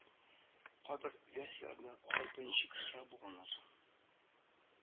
Кайбер версияләрдә алар беренче кешеләр булганнар